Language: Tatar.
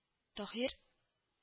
— таһир…